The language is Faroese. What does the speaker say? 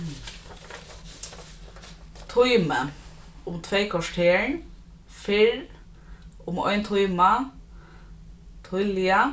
tími um tvey korter fyrr um ein tíma tíðliga